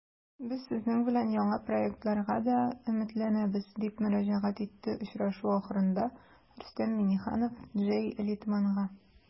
Без сезнең белән яңа проектларга да өметләнәбез, - дип мөрәҗәгать итте очрашу ахырында Рөстәм Миңнеханов Джей Литманга.